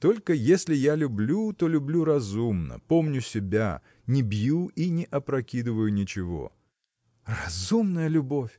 Только если я люблю то люблю разумно помню себя не бью и не опрокидываю ничего. – Разумная любовь!